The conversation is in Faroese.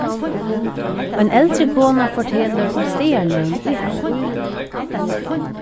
ein eldri kona fortelur um staðarnøvn í havn